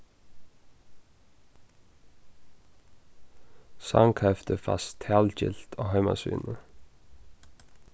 sangheftið fæst talgilt á heimasíðuni